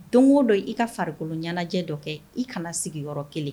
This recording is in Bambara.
Don go don i ka farikoloɲɛnajɛ dɔ kɛ i ka na sigi yɔrɔ kelen